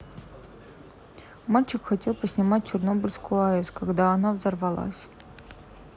мальчик хотел поснимать чернобыльскую аэс когда она взорвалась